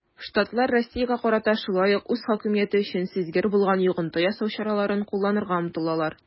Штатлар Россиягә карата шулай ук үз хакимияте өчен сизгер булган йогынты ясау чараларын кулланырга омтылалар.